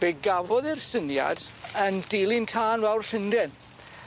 Fe gafodd e'r syniad yn dilyn tân fawr Llunden.